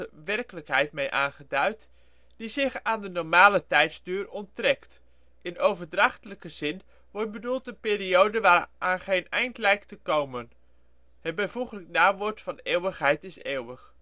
werkelijkheid mee aangeduid, die zich aan de normale tijdsduur onttrekt. In overdrachtelijke zin wordt bedoeld een periode waaraan geen eind lijkt te komen. Het bijvoeglijk naamwoord van eeuwigheid is eeuwig